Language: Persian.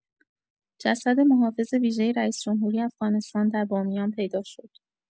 جسد محافظ ویژه رئیس‌جمهوری افغانستان در بامیان پیدا شد